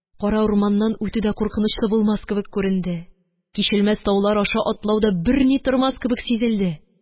Кара урманнан үтү дә куркынычлы булмас кебек күренде. Кичелмәс таулар аша атлау да берни тормас кебек сизелде